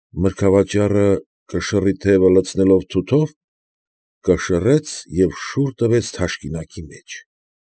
Մրգավաճառը, կշռի թևը լցնելով թութով, կշռեց և շուռ տվեց թաշկինակի մեջ։